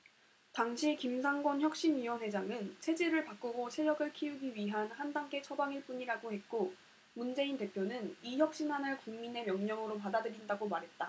당시 김상곤 혁신위원회장은 체질을 바꾸고 체력을 키우기 위한 한 단계 처방일 뿐이라고 했고 문재인 대표는 이 혁신안을 국민의 명령으로 받아들인다고 말했다